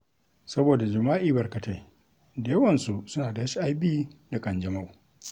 Saboda jima'i barkatai, da yawansu suna da HIV da ƙanjamau.